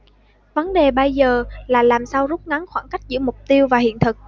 vấn đề bây giờ là làm sao rút ngắn khoảng cách giữa mục tiêu và hiện thực